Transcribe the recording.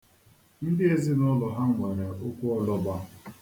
Ndị ezinụlọ ha nwere ụkwụologba.